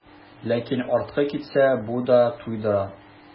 Ләкин артыкка китсә, бу да туйдыра.